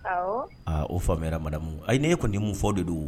Awɔ. Aa o famuyala madame . Ayi ni e kɔni ye min fɔ, o de don wo.